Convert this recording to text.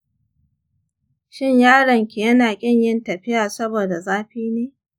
shin yaron ki yana ƙin yin tafiya saboda zafi ne?